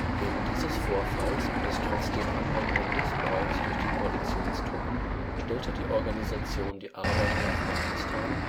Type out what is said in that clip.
Wegen dieses Vorfalls und des trotzdem anhaltenden Missbrauchs durch die Koalitionstruppen stellte die Organisation die Arbeit in Afghanistan